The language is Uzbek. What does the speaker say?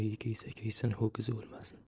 kuysin ho'kizi o'lmasin